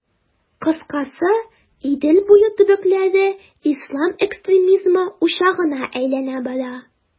Кыскасы, Идел буе төбәкләре ислам экстремизмы учагына әйләнә бара.